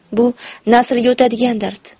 bu naslga o'tadigan dard